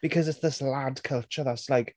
Because it's this lad culture that's like...